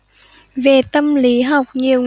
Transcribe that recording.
về tâm lý học nhiều